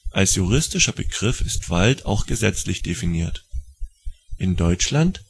Als juristischer Begriff ist Wald auch gesetzlich definiert: in Deutschland